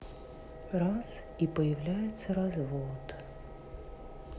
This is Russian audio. раз и появляется развод